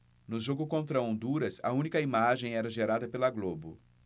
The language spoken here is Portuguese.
no jogo contra honduras a única imagem era gerada pela globo